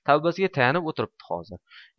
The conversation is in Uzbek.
tavbasiga tayanib o'tiribdi hozir